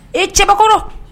Ee cɛbakɔrɔ !